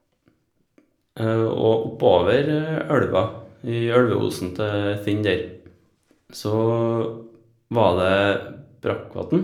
Og oppover elva, i elveosen til Tinn der, så var det brakkvatn.